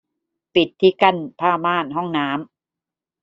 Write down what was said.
ปิดที่กั้นผ้าม่านห้องน้ำ